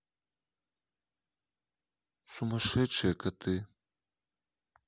сумасшедшие коты